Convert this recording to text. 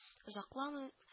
Озакламый